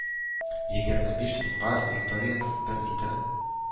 Егерме биш сумга, викториянең бер литрын